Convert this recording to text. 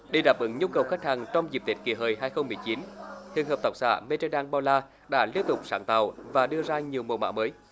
để đáp ứng nhu cầu khách hàng trong dịp tết kỷ hợi hai không mười chín hiện hợp tác xã mây tre đan bao la đã liên tục sáng tạo và đưa ra nhiều mẫu mã mới